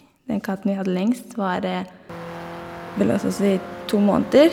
Den katten vi hadde lengst var vel hos oss i to måneder.